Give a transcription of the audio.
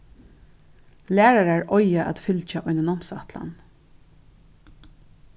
lærarar eiga at fylgja eini námsætlan